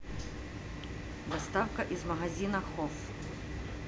доставка из магазина хофф